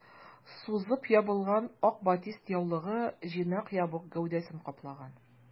Сузып ябылган ак батист яулыгы җыйнак ябык гәүдәсен каплаган.